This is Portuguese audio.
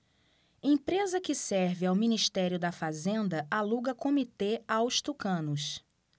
empresa que serve ao ministério da fazenda aluga comitê aos tucanos